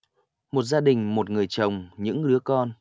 một gia đình một người chồng những đứa con